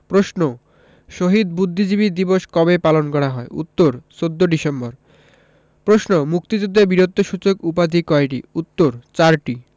প্রশ্ন শহীদ বুদ্ধিজীবী দিবস কবে পালন করা হয় উত্তর ১৪ ডিসেম্বর প্রশ্ন মুক্তিযুদ্ধে বীরত্বসূচক উপাধি কয়টি উত্তর চারটি